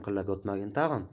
inqillab yotmagin tag'in